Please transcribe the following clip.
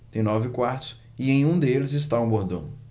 tem nove quartos e em um deles está o mordomo